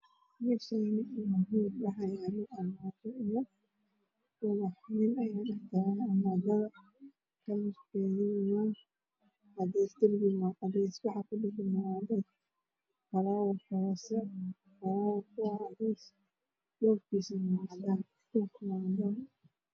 Meeshaani waa armaajo kalarkeedu yahay cadays falawer waa cadays dhulka waa cadaan